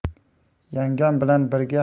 yangam bilan birga